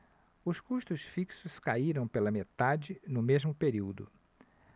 os custos fixos caíram pela metade no mesmo período